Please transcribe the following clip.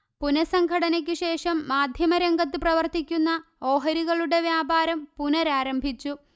പുനഃസംഘടനയ്ക്കു ശേഷം മാധ്യമ രംഗത്തു പ്രവർത്തിക്കുന്ന ഓഹരികളുടെ വ്യാപാരം പുനരാരംഭിച്ചു